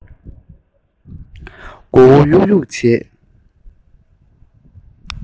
མགོ བོ གཡུག གཡུག བྱེད